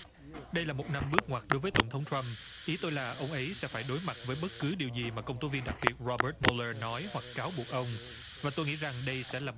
đây là một năm bước ngoặt đối với tổng thống trăm ý tôi là ông ấy sẽ phải đối mặt với bất cứ điều gì mà công tố viên đặc biệt rô bớt mu lơ nói hoặc cáo buộc ông và tôi nghĩ rằng đây sẽ là